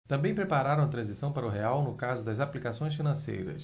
também preparam a transição para o real no caso das aplicações financeiras